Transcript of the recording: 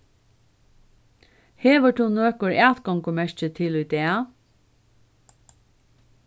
hevur tú nøkur atgongumerki til í dag